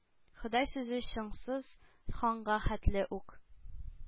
“ходай“ сүзе чыңгыз ханга хәтле үк